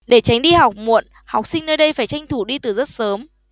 để tránh đi học muộn học sinh nơi đây phải tranh thủ đi từ rất sớm